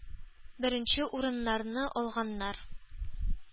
Беренче урыннарны алганнар,